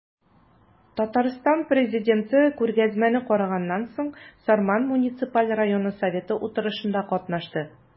Татарстан Президенты күргәзмәне караганнан соң, Сарман муниципаль районы советы утырышында катнашты.